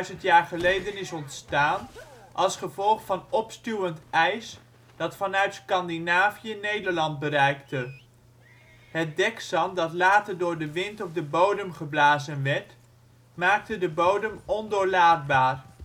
200.000 jaar geleden is ontstaan als gevolg van opstuwend ijs dat vanuit Scandinavië Nederland bereikte. Het dekzand dat later door de wind op de bodem geblazen werd, maakte de bodem ondoorlaatbaar